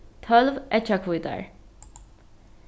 tólv eggjahvítar